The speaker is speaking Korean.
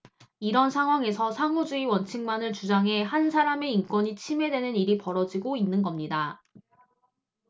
이런 상황에서 상호주의 원칙만을 주장해 한 사람의 인권이 침해되는 일이 벌어지고 있는 겁니다